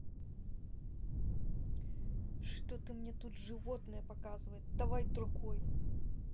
что ты мне тут животное показывает давай другой